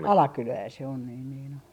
Alakylää se on niin niin on